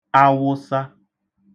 Awusa